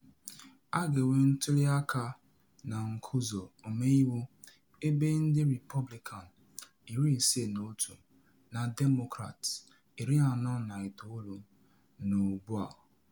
A ga-enwe ntuli aka na Nzụkọ Ọmeiwu, ebe ndị Repọblikan 51 na Demokrat 49 nọ ugbu a.